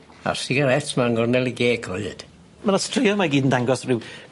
A'r sigaret 'ma yng ngornel 'i geg o hyd. Ma' 'ny straeon 'ma gyd yn dangos ryw